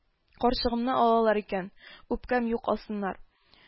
Карчыгымны алалар икән, үпкәм юк, алсыннар